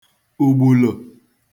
ùgbùlò